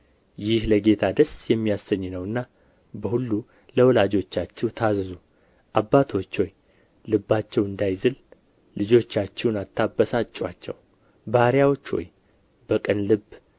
ይህ ለጌታ ደስ የሚያሰኝ ነውና በሁሉ ለወላጆቻችሁ ታዘዙ አባቶች ሆይ ልባቸው እንዳይዝል ልጆቻችሁን አታበሳጩአቸው ባሪያዎች ሆይ በቅን ልብ